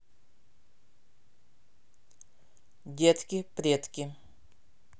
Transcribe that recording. детки предки